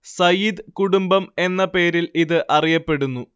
സയ്യിദ് കുടുംബം എന്ന പേരിൽ ഇത് അറിയപ്പെടുന്നു